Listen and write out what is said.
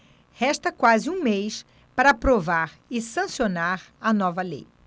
resta quase um mês para aprovar e sancionar a nova lei